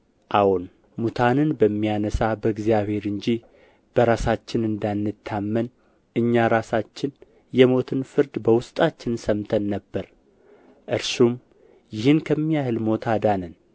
አዎን ሙታንን በሚያነሣ በእግዚአብሔር እንጂ በራሳችን እንዳንታመን እኛ ራሳችን የሞትን ፍርድ በውስጣችን ሰምተን ነበር እርሱም ይህን ከሚያህል ሞት አዳነን